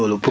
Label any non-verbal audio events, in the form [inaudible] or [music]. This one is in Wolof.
[hesitation] [hesitation]